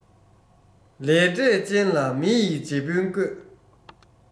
ལས འབྲས ཅན ལ མི ཡི རྗེ དཔོན སྐོས